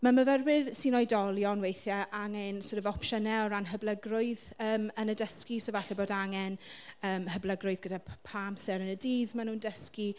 Ma' myfyrwyr sy'n oedolion weithiau angen sort of opsiynnau o ran hyblygrwydd yym yn y dysgu. So falle bod angen yym hyblygrwydd gyda p- pa amser yn y dydd maen nhw'n dysgu.